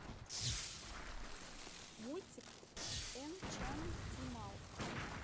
мультик энчантималс